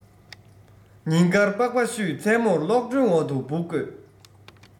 ཉིན དཀར པགས པ བཤུས མཚན མོར གློག སྒྲོན འོག ཏུ འབུ བརྐོས